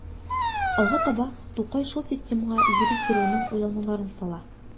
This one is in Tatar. Алга таба Тукай шул системага лирик геройның уйлануларын сала.